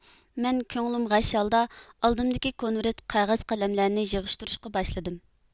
مەن كۆڭلۈم غەش ھالدا ئالدىمدىكى كونۋىرىت قەغەز قەلەملەرنى يىغىشتۇرۇشقا باشلىدىم